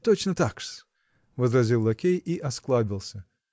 -- Точно так-с, -- возразил лакей и осклабился.